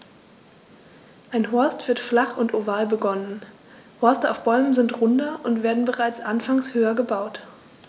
Ein Horst wird flach und oval begonnen, Horste auf Bäumen sind runder und werden bereits anfangs höher gebaut.